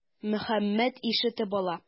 Мөхәммәт ишетеп ала.